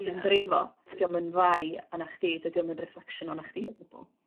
Ia. ...sy'n brifo dydi o'm yn fai anach chdi dydi o'm yn reflection o'nach chdi o gwbl.